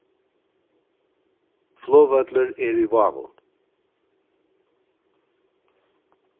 flogvøllur er í vágum